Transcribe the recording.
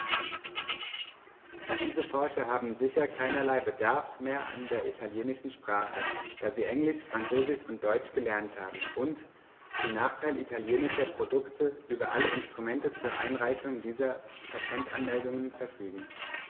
Diese Forscher haben sicher keinerlei Bedarf mehr an der italienischen Sprache, da sie Englisch, Französisch und Deutsch gelernt haben und, zum Nachteil italienischer Produkte, über alle Instrumente zur Einreichung dieser Patentanmeldungen verfügen.